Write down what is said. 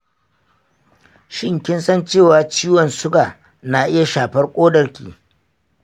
shin kin san cewa ciwon suga na iya shafar kodarki?